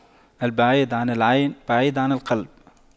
البعيد عن العين بعيد عن القلب